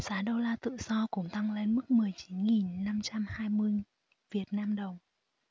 giá đô la tự do cũng tăng lên mức mười chín nghìn năm trăm hai mươi việt nam đồng